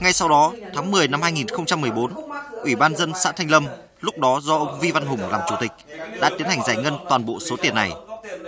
ngay sau đó tháng mười năm hai nghìn không trăm mười bốn ủy ban dân xã thanh lâm lúc đó do ông vi văn hùng làm chủ tịch đã tiến hành giải ngân toàn bộ số tiền này